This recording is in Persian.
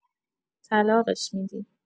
طلاقش می‌دی!